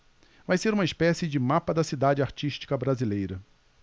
vai ser uma espécie de mapa da cidade artística brasileira